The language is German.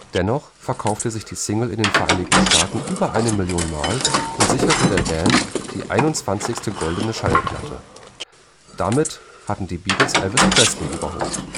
Dennoch verkaufte sich die Single in den Vereinigten Staaten über eine Million Mal und sicherte der Band die einundzwanzigste Goldene Schallplatte. Damit hatten die Beatles Elvis Presley überholt